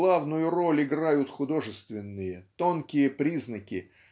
главную роль играют художественные тонкие признаки